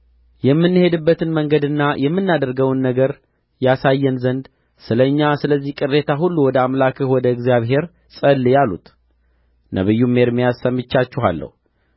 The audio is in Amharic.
የምንሄድበትን መንገድና የምናደርገውን ነገር ያሳየን ዘንድ ስለ እኛ ስለዚህ ቅሬታ ሁሉ ወደ አምላክህ ወደ እግዚአብሔር ጸልይ አሉት ነቢዩም ኤርምያስ ሰምቻችኋለሁ